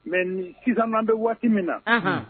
Mɛ sisansanan bɛ waati min na